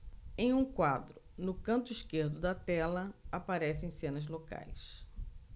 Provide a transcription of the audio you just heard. em um quadro no canto esquerdo da tela aparecem cenas locais